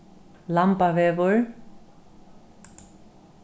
lambavegur